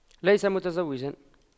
ليس متزوجا